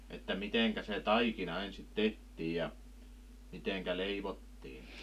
että miten se taikina ensin tehtiin ja miten leivottiin